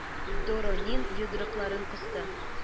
Доронин йодрыкларын кысты.